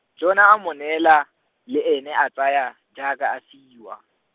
Jona a mo neela, le ene a tsaya, jaaka a fiwa.